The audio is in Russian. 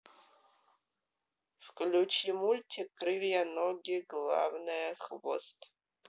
включи мультик крылья ноги главное хвост